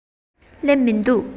སླེབས མི འདུག